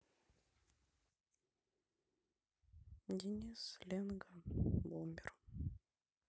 денис ленга бумер